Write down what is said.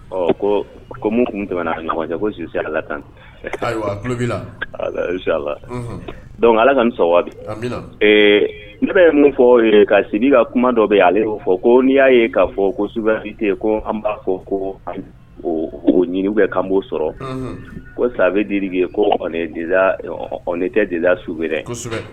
Ɔ ko ko minnu tun tɛmɛna ɲɔgɔn cɛ ko sisi ala tan ala dɔnku ala ka sɔnwa bi ne bɛ min fɔ ka sigi ka kuma dɔ bɛ yen ale'o fɔ ko n'i y'a ye' fɔ ko subate yen ko an b'a fɔ ko ɲini kɛ' b'o sɔrɔ ko san bɛ di ye ko ne tɛ dela su wɛrɛ